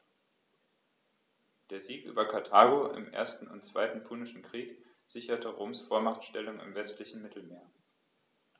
Der Sieg über Karthago im 1. und 2. Punischen Krieg sicherte Roms Vormachtstellung im westlichen Mittelmeer.